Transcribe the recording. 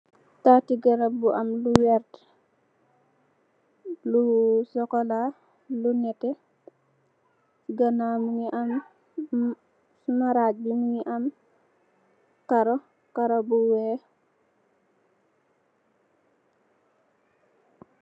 Taati garab bu am lu vertue, lu chocolat, lu nehteh, ganaw mungy am mhm marajj bii mungy am karoh, karoh bu wekh.